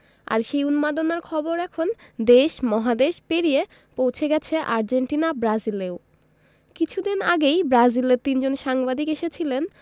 আর সেই উন্মাদনার খবর এখন দেশ মহাদেশ পেরিয়ে পৌঁছে গেছে আর্জেন্টিনা ব্রাজিলেও কিছুদিন আগেই ব্রাজিলের তিনজন সাংবাদিক এসেছিলেন